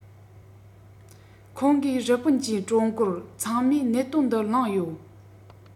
ཁོང གིས རི པིན གྱིས ཀྲུང གོར ཚང མས གནད དོན འདི གླེང ཡོད